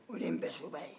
o de ye npɛsoba ye